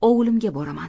ovulimga boraman